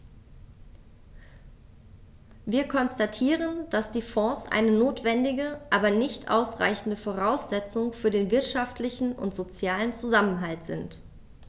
Wir konstatieren, dass die Fonds eine notwendige, aber nicht ausreichende Voraussetzung für den wirtschaftlichen und sozialen Zusammenhalt sind.